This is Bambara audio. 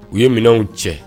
U ye minɛnw cɛ.